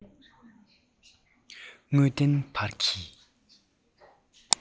དངོས བདེན བར གྱི